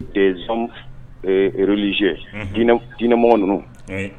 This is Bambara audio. Des hommes ee religieux diinɛ m diinɛmɔgɔ nunnu ouai